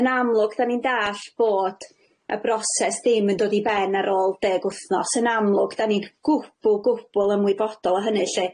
Yn amlwg d'an i'n dallt bod y broses ddim yn dod i ben ar ôl deg wthnos yn amlwg 'dan ni'n gwbwl gwbwl ymwybodol o hynny lly.